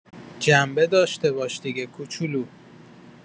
جنبه داشته باش دیگه کوچولو